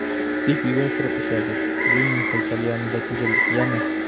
Тик өйгә кереп эчәбез, Ленин һәйкәле янында түгел, яме!